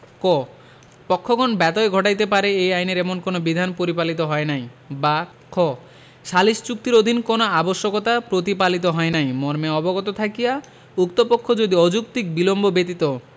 ক পক্ষগণ ব্যতয় ঘটাইতে পারে এই আইনের এমন কোন বিধান প্রতিপালিত হয় নাই বা খ সালিস চুক্তির অধীন কোন আবশ্যকতা প্রতিপালিত হয় নাই মর্মে অবগত থাকিয়া উক্ত পক্ষ যদি অযৌক্তিক বিলম্ব ব্যতীত